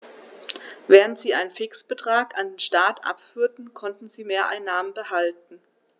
Während sie einen Fixbetrag an den Staat abführten, konnten sie Mehreinnahmen behalten.